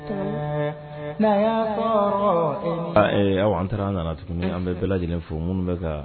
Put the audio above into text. Na' an taara an nana tuguni an bɛ bɛɛ lajɛlen fo minnu bɛ kan